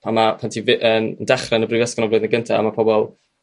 pan ma' pan ti'n yy dechre yn y brifysgol flwyddyn gynta' a ma' pobol